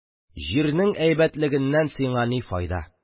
– җирнең әйбәтлегеннән сиңа ни файда?